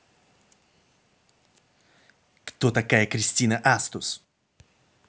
кто такая кристина астус